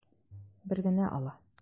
Бер генә ала.